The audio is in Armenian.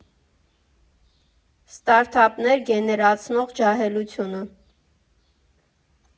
Ստարտափներ գեներացնող ջահելությունը։